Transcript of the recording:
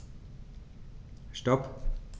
Stop.